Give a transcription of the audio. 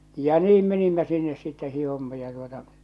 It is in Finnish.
ja niin menimme sinne sitten hiihdimme ja tuota